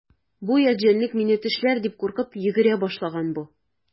Бу ят җәнлек мине тешләр дип куркып йөгерә башлаган бу.